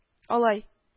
- алай